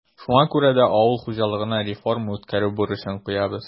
Шуңа күрә дә авыл хуҗалыгына реформа үткәрү бурычын куябыз.